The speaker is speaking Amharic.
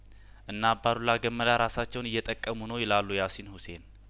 እነ አባዱላ ገመዳ ራሳቸውን እየጠቀሙ ነው ይላሉ ያሲን ሁሴን